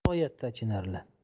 g'oyatda achinarli